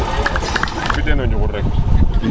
dembi teen o ñuxur rek